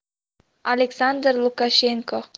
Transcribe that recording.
aleksandr lukashenko